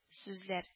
Сүзләр